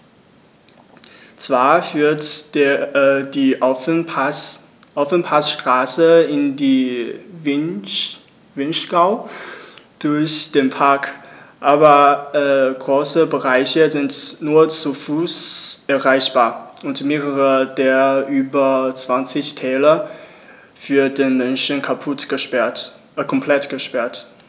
Zwar führt die Ofenpassstraße in den Vinschgau durch den Park, aber große Bereiche sind nur zu Fuß erreichbar und mehrere der über 20 Täler für den Menschen komplett gesperrt.